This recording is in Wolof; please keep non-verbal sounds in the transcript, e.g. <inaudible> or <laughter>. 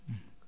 <hesitation> <hesitation>